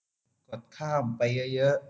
กดข้ามไปเยอะเยอะ